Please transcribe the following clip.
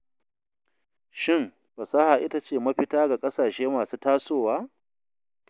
Shin fasaha ita ce mafita ga ƙasashe masu tasowa?